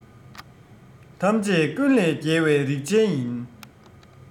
ཐམས ཅད ཀུན ལས རྒྱལ བའི རིག ཅན ཡིན